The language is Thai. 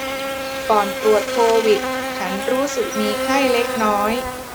ก่อนตรวจโควิดฉันรู้สึกมีไข้เล็กน้อย